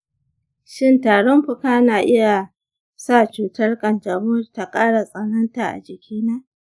shin tarin fuka na iya sa cutar ƙanjamau ta ƙara tsananta a jikina?